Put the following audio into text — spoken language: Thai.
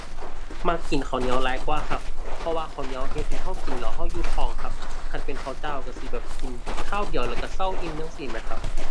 มักกินข้าวเหนียวหลายกว่าครับ เพราะว่าข้าวเหนียวเฮ็ดให้เรากินแล้วเราอยู่ท้องครับ คันเป็นข้าวเจ้าเราสิแบบกินคราวเดียวแล้วเราเซาอิ่มจั่งซี้แหมครับ